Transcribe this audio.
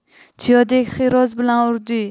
tuyadek xeroz bilan urde